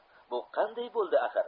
bu qanday bo'ldi axir